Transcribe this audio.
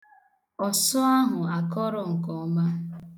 Ọsụ ahụ akọrọ nke ọma.